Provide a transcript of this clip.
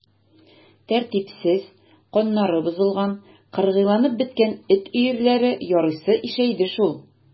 Тәртипсез, каннары бозылган, кыргыйланып беткән эт өерләре ярыйсы ишәйде шул.